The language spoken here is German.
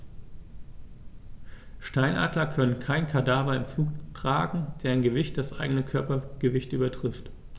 Steinadler können keine Kadaver im Flug tragen, deren Gewicht das eigene Körpergewicht übertrifft.